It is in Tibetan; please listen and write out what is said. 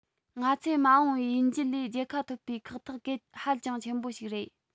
ང ཚོས མ འོངས པའི གཡུལ འགྱེད ལས རྒྱལ ཁ ཐོབ པའི ཁག ཐེག གལ ཧ ཅང ཆེན པོ ཞིག རེད